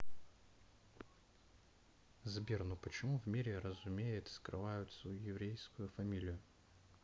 сбер ну почему в мире разумеет скрывают свою еврейскую фамилию